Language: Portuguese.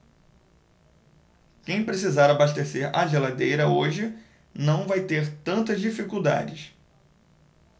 quem precisar abastecer a geladeira hoje não vai ter tantas dificuldades